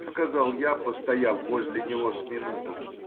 — сказал я, постояв возле него с минуту.